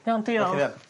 Iawn diolch. Oce.